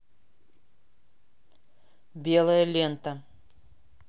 белая лента